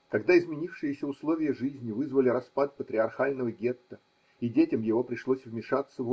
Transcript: Когда изменившиеся условия жизни вызвали распад патриархального гетто и детям его пришлось вмешаться.